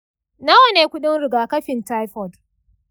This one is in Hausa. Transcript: nawa ne kudin rigakafin taifoid?